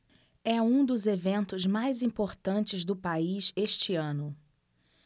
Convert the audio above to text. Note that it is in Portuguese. é um dos eventos mais importantes do país este ano